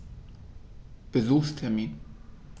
Besuchstermin